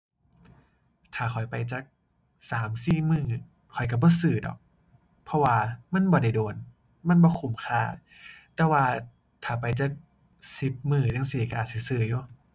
ถ้าข้อยไปจักสามสี่มื้อข้อยก็บ่ซื้อดอก เพราะว่ามันบ่ได้โดนมันบ่คุ้มค่า แต่ว่าถ้าไปจักสิบมื้อจั่งซี้ก็อาจสิซื้ออยู่